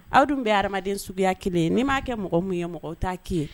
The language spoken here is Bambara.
Aw dun bɛɛ ye hadamaden suguya kelen ye. Ni ma kɛ mɔgɔ mun ye mɔgɔ ta ki ye